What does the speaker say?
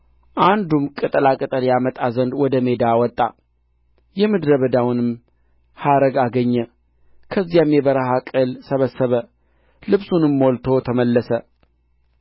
ኤልሳዕም ዳግመኛ ወደ ጌልገላ መጣ በምድርም ላይ ራብ ነበረ የነቢያትም ልጆች በፊቱ ተቀምጠው ነበር ሎሌውንም ታላቁን ምንቸት ጣድ ለነቢያት ልጆችም ወጥ ሥራ አለው